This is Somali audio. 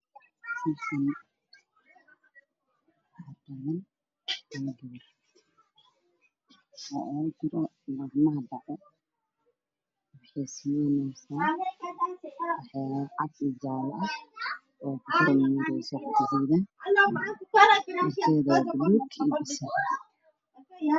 Waxaa ii muuqda gabar badato taroxad buluug ah galovis ugu jiraan gacmaha wax ay caagad ka shugeysaa xaaladda midabkeedu waa guduud